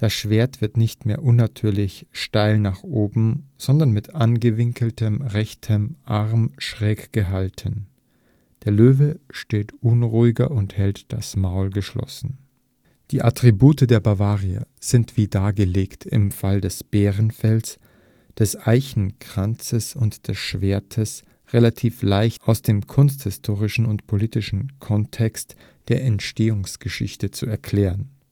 Schwert wird nicht mehr unnatürlich steil nach oben, sondern mit angewinkeltem rechtem Arm schräg gehalten. Der Löwe steht unruhiger und hält das Maul geschlossen. “Linke Hand mit Eichenkranz Die Attribute der Bavaria sind wie dargelegt im Fall des Bärenfells, des Eichenkranzes und des Schwertes relativ leicht aus dem kunsthistorischen und politischen Kontext der Entstehungsgeschichte zu erklären